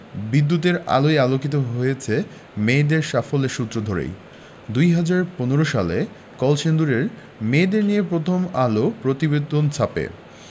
বিদ্যুতের আলোয় আলোকিত হয়েছে মেয়েদের সাফল্যের সূত্র ধরেই ২০১৫ সালে কলসিন্দুরের মেয়েদের নিয়ে প্রথম আলো প্রতিবেদন ছাপে